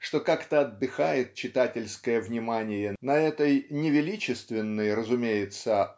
что как-то отдыхает читательское внимание на этой не величественной разумеется